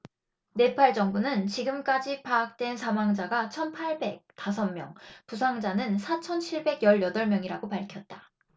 네팔 정부는 지금까지 파악된 사망자가 천 팔백 다섯 명 부상자는 사천 칠백 열 여덟 명이라고 밝혔다